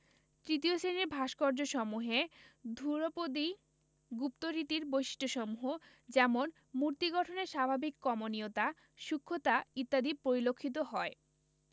তৃতীয় শ্রেণির ভাস্কর্যসমূহে ধ্রুপদী গুপ্ত রীতির বৈশিষ্ট্যসমূহ যেমন মূর্তি গঠনের স্বাভাবিক কমনীয়তা সূক্ষতা ইত্যাদি পরিলক্ষিত হয়